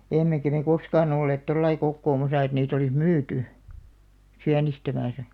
emmekä me koskaan olleet tuolla lailla kokoamassa että niitä olisi myyty sienestämässä